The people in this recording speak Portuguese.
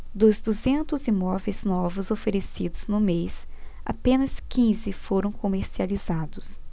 dos duzentos imóveis novos oferecidos no mês apenas quinze foram comercializados